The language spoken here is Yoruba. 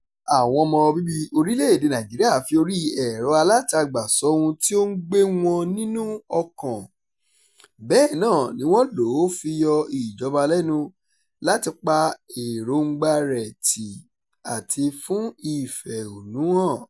Àwọn ọmọ bíbí orílẹ̀-èdè Nàìjíríà fi orí ẹ̀rọ-alátagbà sọ ohun tí ó ń gbé wọn ní ọkàn, bẹ́ẹ̀ náà ni wọ́n lò ó fi yọ ìjọba lẹ́nu láti pa èròńgbàa rẹ̀ tì àti fún ìfẹ̀hónúhàn: